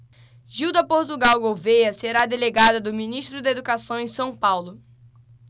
gilda portugal gouvêa será delegada do ministério da educação em são paulo